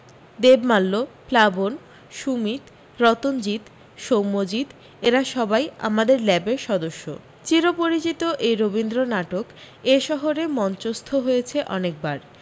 দেবমাল্য প্লাবন সুমিত রতনজিত সৌম্যজিত এরা সবাই আমাদের ল্যাবের সদস্য চির পরিচিত এই রবীন্দ্রনাটক এ শহরে মঞ্চস্থ হয়েছে অনেক বার